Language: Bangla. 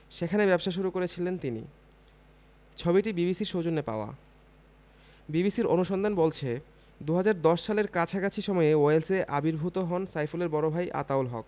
সেখানে ব্যবসা শুরু করেছিলেন তিনি ছবিটি বিবিসির সৌজন্যে পাওয়া বিবিসির অনুসন্ধান বলছে ২০১০ সালের কাছাকাছি সময়ে ওয়েলসে আবির্ভূত হন সাইফুলের বড় ভাই আতাউল হক